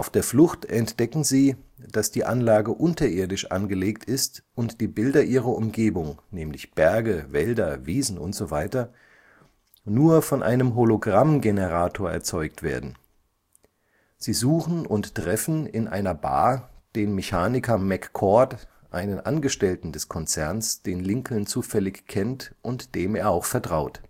der Flucht entdecken sie, dass die Anlage unterirdisch angelegt ist und die Bilder ihrer Umgebung (Berge, Wälder, Wiesen usw.) nur von einem Hologramm-Generator erzeugt werden. Sie suchen und treffen in einer Bar den Mechaniker McCord, einen Angestellten des Konzerns, den Lincoln zufällig kennt und dem er auch vertraut